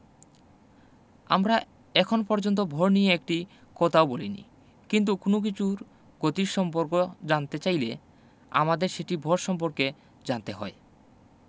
আমরা এখন পর্যন্ত ভর নিয়ে একটি কথাও বলিনি কিন্তু কোনো কিছুর গতি সম্পর্ক জানতে চাইলে আমাদের সেটির ভর সম্পর্কে জানতে হয়